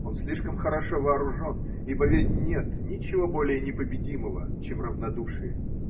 Он слишком хорошо вооружен, ибо ведь нет ничего более непобедимого, чем равнодушие.